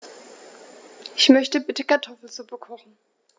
Ich möchte bitte Kartoffelsuppe kochen.